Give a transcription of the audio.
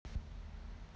джордж casyana